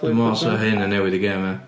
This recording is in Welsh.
Dwi'n meddwl 'sa hyn yn newid y gêm ia.